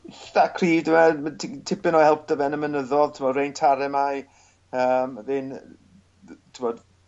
itha cryf dyw e ma' ti- ng- tipyn o help 'da fe yn y mynyddo'dd t'mo' Rein Taaramäe yy ma' fe'n t'mod